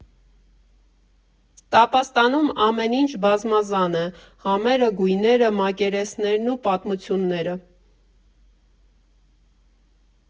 «Տապաստանում» ամեն ինչ բազմազան է՝ համերը, գույները, մակերեսներն ու պատմությունները։